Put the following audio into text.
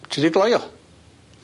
Ti 'di gloi o?